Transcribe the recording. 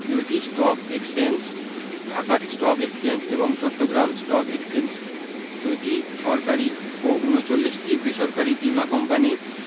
২টি stock exchange Dhaka stock exchange এবং Chattogram stock exchange ২টি সরকারি ও ৩৯টি বেসরকারি বীমা কোম্পানি